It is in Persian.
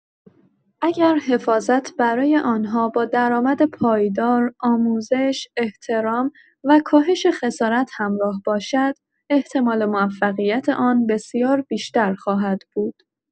اگر حفاظت برای آن‌ها با درآمد پایدار، آموزش، احترام و کاهش خسارت همراه باشد، احتمال موفقیت آن بسیار بیشتر خواهد بود.